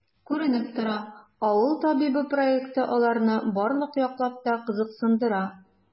Күренеп тора,“Авыл табибы” проекты аларны барлык яклап та кызыксындыра.